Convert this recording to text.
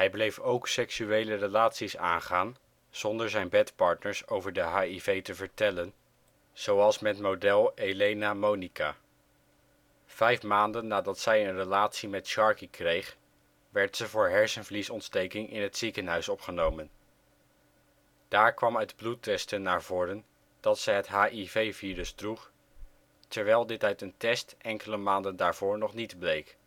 bleef ook seksuele relaties aangaan zonder zijn bedpartners over de Hiv te vertellen, zoals met model Elena Monica. Vijf maanden nadat zij een relatie met Sharkey kreeg, werd ze voor hersenvliesontsteking in het ziekenhuis opgenomen. Daar kwam uit bloedtesten naar voren dat ze het hiv-virus droeg, terwijl dit uit een test enkele maanden daarvoor nog niet bleek